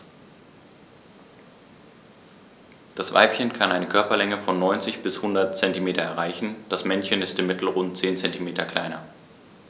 Das Weibchen kann eine Körperlänge von 90-100 cm erreichen; das Männchen ist im Mittel rund 10 cm kleiner.